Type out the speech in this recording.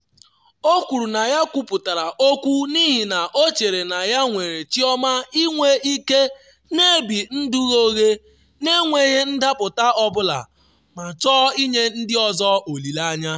O kwuru na ya kwuputara okwu n’ihi na ọ chere na ya nwere chiọma inwe ike na-ebi ndụ ghe oghe na-enweghị ndapụta ọ bụla ma chọọ inye ndị ọzọ “olile anya.”